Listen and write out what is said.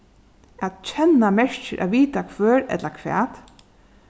at kenna merkir at vita hvør ella hvat